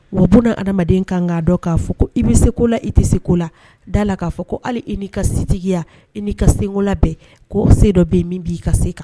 Wa bo adamadamaden kan' dɔn k'a fɔ ko i bɛ se koko la i tɛ se ko la da la k'a fɔ ko hali i nii ka sitigiya i n'i ka seko la bɛn ko se dɔ bɛ min b''i ka se kan